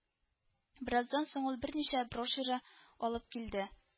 Бераздан соң ул берничә брошюра алып килде